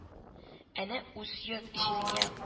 Әнә, үз йорт-җиреңә